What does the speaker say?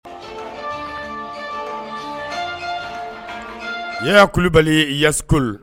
I y yaabali i yas